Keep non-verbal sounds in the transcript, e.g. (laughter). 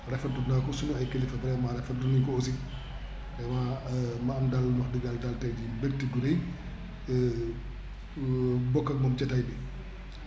rafetlu naa ko suñu ay kilifa vraiment rafetlu nañ ko aussi vraiment (hesitation) ma am daal wax dëgg yàlla daal tay jii mbégte gu rëy (hesitation) bokk ak moom jotaay bi